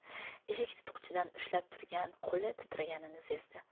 eshik tutqichidan ushlab turgan qo'li titraganini sezdi